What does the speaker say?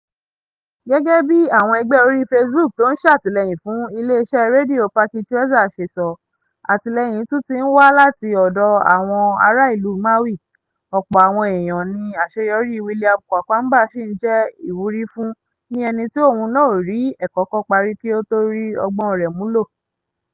Gẹ́gẹ́ bí àwọn ẹgbẹ́ orí Facebook tó ń "sátìlẹyìn fún Ileeṣẹ́ Rédíò Pachikweza" ṣe sọ, àtìlẹyìn tún ti ń wá láti ọ̀dọ̀ àwọn ará ìlú Maawi, ọ̀pọ̀ àwọn èèyàn ni àṣeyọrí William Kwakwamba sì ń jẹ́ ìwúrí fún ní ẹni tí òun náà ò rí ẹ̀kọ́ kọ́ parí kí ò tó rí ọgbọ́n rẹ̀ mú lò.